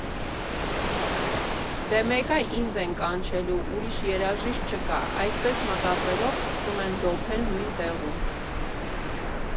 «Դե մեկ ա ինձ են կանչելու, ուրիշ երաժիշտ չկա»՝ այսպես մտածելով սկսում են դոփել նույն տեղում։